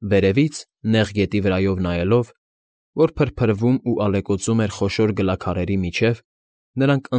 Վերևից, նեղ գետի վրայով նայելով, նրանք։